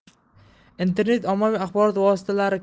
internet ommaviy axborot vositalari